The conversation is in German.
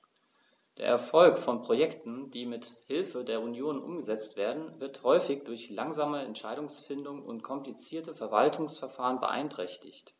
Der Erfolg von Projekten, die mit Hilfe der Union umgesetzt werden, wird häufig durch langsame Entscheidungsfindung und komplizierte Verwaltungsverfahren beeinträchtigt.